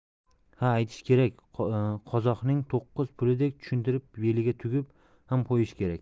ha aytish kerak qozoqning to'qqiz pulidek tushuntirib beliga tugib ham qo'yish kerak